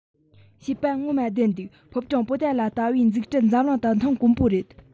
བཤད པ ངོ མ བདེན འདུག ཕོ བྲང པོ ཏ ལ ལྟ བུའི འཛུགས སྐྲུན འཛམ གླིང དུ མཐོང དཀོན པོ རེད